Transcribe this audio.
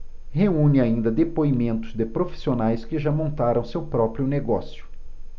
reúne ainda depoimentos de profissionais que já montaram seu próprio negócio